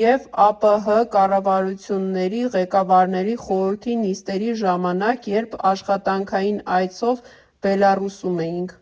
և ԱՊՀ կառավարությունների ղեկավարների խորհրդի նիստերի ժամանակ, երբ աշխատանքային այցով Բելառուսում էինք։